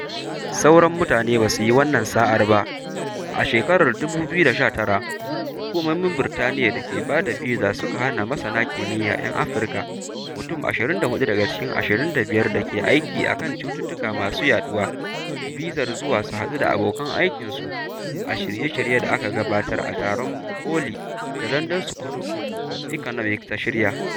Sauran mutane ba su yi wannan sa'ar ba. A shekarar 2019, hukumomin Birtaniya da ke ba da biza suka hana masana kimiyya 'yan afirka mutum 24 daga cikin 25 da ke aiki a kan cututtuka masu yaɗuwa bizar zuwa su haɗu da abokan aikinsu a shirye-shirye da aka gabatar a taron ƙoli da London School of Economics ta shirya.